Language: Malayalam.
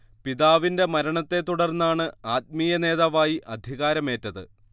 പിതാവിന്റെ മരണത്തെ തുടർന്നാണ് ആത്മീയനേതാവായി അധികാരമേറ്റത്